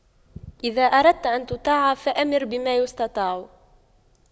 إذا أردت أن تطاع فأمر بما يستطاع